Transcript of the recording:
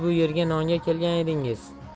nonga kelgan edingiz